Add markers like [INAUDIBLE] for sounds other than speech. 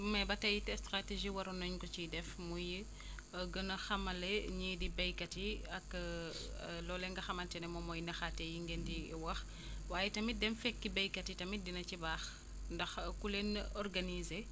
mais ba tey te stratégie waroon nañu ko si def muy [BREATH] gën a xamale ñii di béykat yi ak [HESITATION] loolee nga xamante ne moom mooy naxaate yi ngeen di wax [BREATH] waaye tamit dem fekki béykat yi tamit dina ci baax ndax ku leen organisé